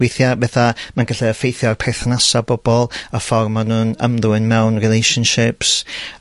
Weithia betha, ma'n gallu effeithio ar perthnasa pobol a ffor ma nw'n ymddwyn mewn relationships